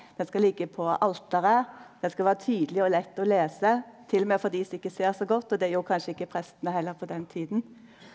den skal ligge på alteret, den skal vere tydeleg og lett å lese t.o.m. for dei som ikkje ser så godt og det gjorde kanskje ikkje prestane heller på den tida.